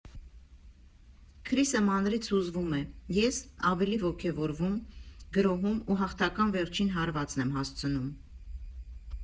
Քրիսը մանրից հուզվում է, ես՝ ավելի ոգևորվում, գրոհում ու հաղթական վերջին հարվածն եմ հասցնում։